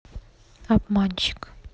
обманщик